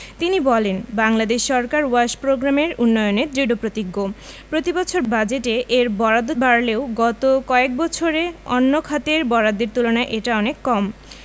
তিনি বলেন বাংলাদেশ সরকার ওয়াশ প্রোগ্রামের উন্নয়নে দৃঢ়প্রতিজ্ঞ প্রতিবছর বাজেটে এর বরাদ্দ বাড়লেও কয়েক বছরে অন্য খাতের বরাদ্দের তুলনায় এটা অনেক কম